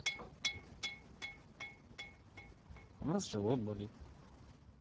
у нас живот болит